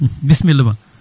bisimilla ma